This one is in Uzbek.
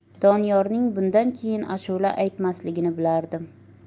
doniyorning bundan keyin ashula aytmasligini bilardim